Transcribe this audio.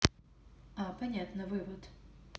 а понятно вывод